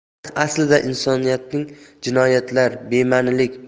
tarix aslida insoniyatning jinoyatlar bema'nilik